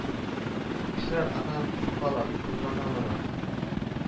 Кешеләр аннан куркалар, кызганалар аны